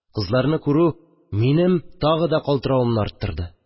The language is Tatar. Кызларны күрү минем тагы калтыравымны арттырды